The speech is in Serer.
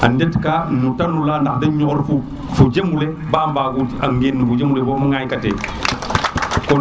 a ndet ka no tano la ndax de ñow fo fo jemo le mba ɓago a nim no fo jemole bo ŋaay ka te